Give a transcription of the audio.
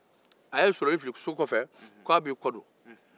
a ye solonin fili so kɔfɛ k'a b'i kɔdon